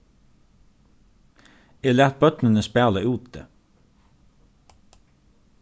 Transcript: eg læt børnini spæla úti